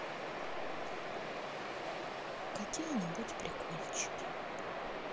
какие нибудь прикольчики